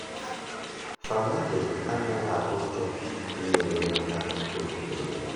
Famalay anaghị atụ ụjọ inyere gị aka oge niile….